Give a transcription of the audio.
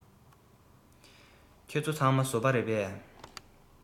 ཁྱེད ཚོ ཚང མ བཟོ པ རེད པས